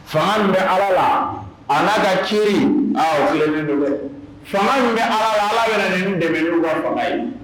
Fa min bɛ ala la a n'a ka cirin faama min bɛ ala ala yɛrɛ ni dɛmɛ ye